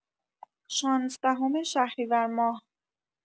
شانزدهم شهریورماه